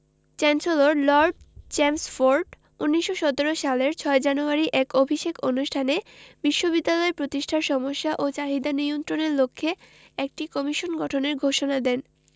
chancellor Lord Chelmsford ১৯১৭ সালের ৬ January এক অভিষেক অনুষ্ঠানে বিশ্ববিদ্যালয় প্রতিষ্ঠার সমস্যা ও চাহিদা নির্ণয়ের লক্ষ্যে একটি কমিশন গঠনের ঘোষণা দেন